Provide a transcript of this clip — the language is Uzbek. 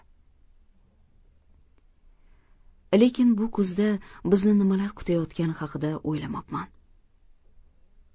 lekin bu kuzda bizni nimalar kutayotgani haqida o'ylamabman